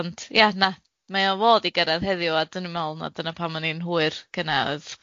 ond ie na, mae o fod i gyrradd heddiw, a dwi'n mel na dyna pam o'n i'n hwyr gynna odd